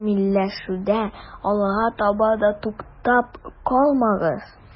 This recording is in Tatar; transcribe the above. Камилләшүдә алга таба да туктап калмагыз.